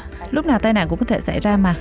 lúc nào tai nạn cũng có thể xảy ra mà